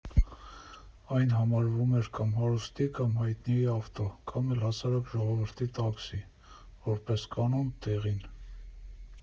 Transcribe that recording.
Այն համարվում էր կամ հարուստի ու հայտնիի ավտո, կամ էլ հասարակ ժողովրդի տաքսի (որպես կանոն՝ դեղին)։